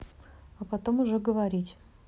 а потом уже говорить